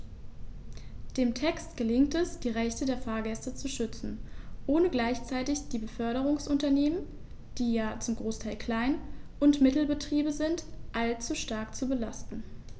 Dem Text gelingt es, die Rechte der Fahrgäste zu schützen, ohne gleichzeitig die Beförderungsunternehmen - die ja zum Großteil Klein- und Mittelbetriebe sind - allzu stark zu belasten.